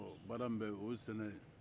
ɔ baara min bɛ yen o ye sɛnɛ ye